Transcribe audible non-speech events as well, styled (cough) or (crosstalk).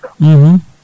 (hesitation) (hesitation)